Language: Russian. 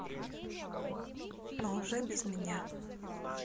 но уже без меня